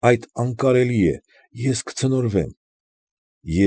Այդ անկարելի է, ես կցնորվեմ։